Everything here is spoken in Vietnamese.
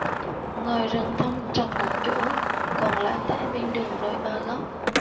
ngoài rừng thông trồng một chỗ còn lẻ tẻ bên đường đôi ba gốc